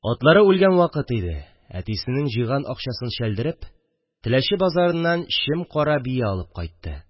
Атлары үлгән вакыт иде – әтисенең җыйган акчасын чәлдереп Теләче базарыннан чем-кара бия алып кайтты